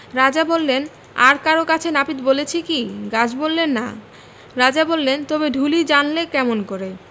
রাজা বললেন আর কারো কাছে নাপিত বলেছে কি গাছ বললে না রাজা বললেন তবে ঢুলি জানলে কেমন করে